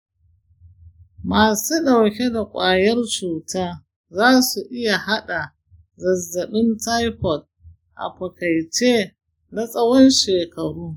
masu ɗauke da ƙwayar cuta za su iya yaɗa zazzabin taifot a fakaice na tsawon shekaru.